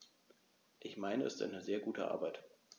Ich meine, es ist eine sehr gute Arbeit.